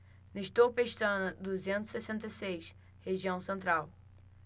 nestor pestana duzentos e sessenta e seis região central